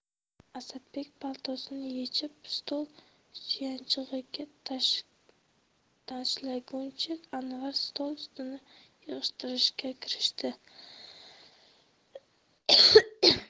asadbek paltosini yechib stul suyanchig'iga tashlaguncha anvar stol ustini yig'ishtirishga kirishdi